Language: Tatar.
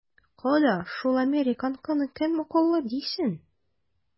Кода, шул американканы кем акыллы дисен?